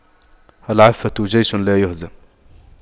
العفة جيش لايهزم